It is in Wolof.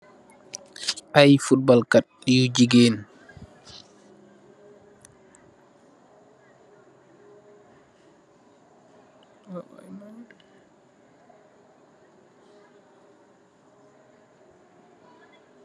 Ay futbal Kat yu gigeen.